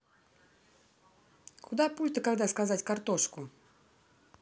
куда пульта когда сказать картошку